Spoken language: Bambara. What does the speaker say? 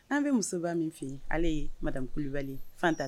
An bɛ musoba min fɛ ye ale ye madame kulubali ye